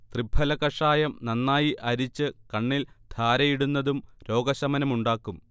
തൃഫല കഷായം നന്നായി അരിച്ച് കണ്ണിൽ ധാരയിടുന്നതും രോഗശമനമുണ്ടാക്കും